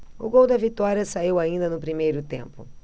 o gol da vitória saiu ainda no primeiro tempo